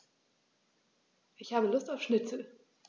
Ich habe Lust auf Schnitzel.